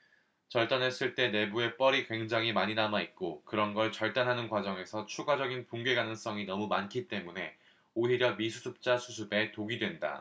절단했을 때 내부에 뻘이 굉장히 많이 남아있고 그런 걸 절단하는 과정에서 추가적인 붕괴 가능성이 너무 많기 때문에 오히려 미수습자 수습에 독이 된다